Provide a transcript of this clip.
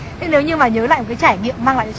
nếu như mà nhớ lại với trải nghiệm mang lại